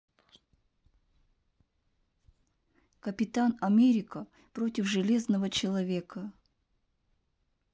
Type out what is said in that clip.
капитан америка против железного человека